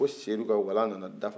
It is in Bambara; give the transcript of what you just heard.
sedu ka walan nana dafa